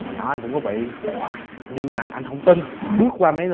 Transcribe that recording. hồi nhỏ anh cũng có bị nhưng mà anh hông tin bước qua mấy